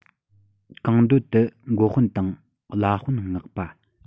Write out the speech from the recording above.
རང འདོད དུ མགོ དཔོན དང བླ དཔོན མངགས པ